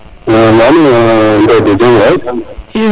waw mbede jam way